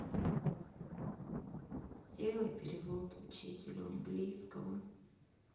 сделай перевод учителю английского